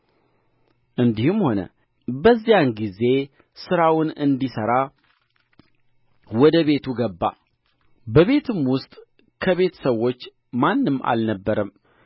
የቤትዋን ሰዎች ወደ እርስዋ ጠርታ እንዲህ ብላ ነገረቻቸው እዩ ዕብራዊው ሰው በእኛ እንዲሣለቅ አግብቶብናል እርሱ ከእኔ ጋር ሊተኛ ወደ እኔ ገባ እኔም ድምፄን ከፍ አድርጌ ጮኽሁ